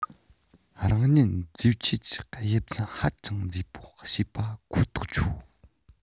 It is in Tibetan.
རང ཉིད མཛེས འཆོས གྱི དབྱེ མཚམས ཧ ཅང མཛེས པོ བྱེད པ ཁོ ཐག ཆོད